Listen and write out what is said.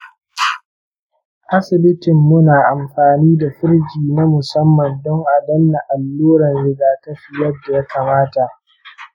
asibitinmu na amfani da firji na musamman don adana alluran rigakafi yadda ya kamata.